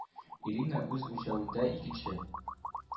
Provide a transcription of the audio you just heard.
Ирина үз үлчәвендә – икенче,